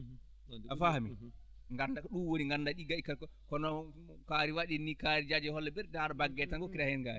a faami nganndaa ko ɗum woni nganndaa ɗi gayi kala ko no kaari waɗi nii kaari jaaje holla ɓerɗe haaɗo baggee tan hokkira heen ngaari